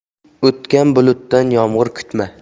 o'tgan bulutdan yomg'ir kutma